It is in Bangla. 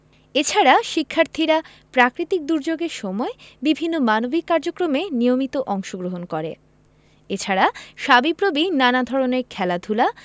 এছাড়া শিক্ষার্থীরা প্রাকৃতিক দূর্যোগের সময় বিভিন্ন মানবিক কার্যক্রমে নিয়মিত অংশগ্রহণ করে এছাড়া সাবিপ্রবি নানা ধরনের খেলাধুলা